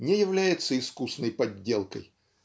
не является искусной подделкой